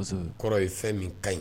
Muso kɔrɔ ye fɛn min ka ɲi